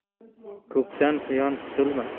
ko'pdan quyon qutulmas